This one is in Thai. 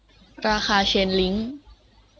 ราคาเชนลิ้ง